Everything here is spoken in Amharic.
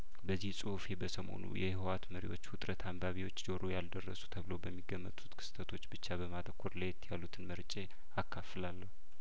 በዚህ ጹሁፌ በሰሞኑ የህወሀት መሪዎች ውጥረት አንባቢዎች ጆሮ ያልደረሱ ተብለው በሚገመቱ ክስተቶች ብቻ በማተኮር ለየት ያሉትን መርጬ አካፍላለሁ